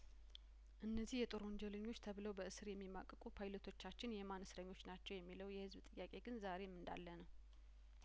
እነዚህ የጦር ወንጀለኞች ተብለው በእስር የሚማቅቁ ፓይለቶቻችን የማን እስረኞች ናቸው የሚለው የህዝብ ጥያቄ ግን ዛሬም እንዳለነው